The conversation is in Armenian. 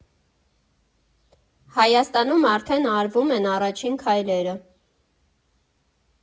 Հայաստանում արդեն արվում են առաջին քայլերը։